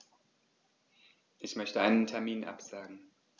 Ich möchte einen Termin absagen.